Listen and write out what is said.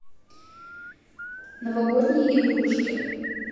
новогодние игрушки